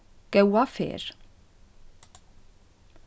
góða ferð